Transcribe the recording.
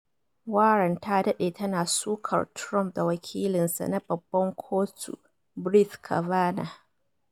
Warren ta dade tana sukar Trump da Wakilin sa na Babban Kotu Brett Kavanaugh.